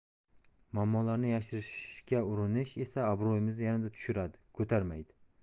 muammolarni yashirishga urinish esa obro'yimizni yanada tushiradi ko'tarmaydi